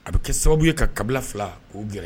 A bɛ kɛ sababu ye ka kabila fila o gɛrɛ